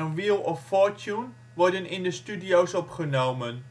Wheel of Fortune worden in de studio 's opgenomen.